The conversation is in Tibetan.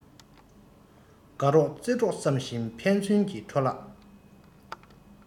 དགའ རོགས རྩེད གྲོགས བསམ ཞིང ཕན ཚུན གྱི འཕྲོ བརླག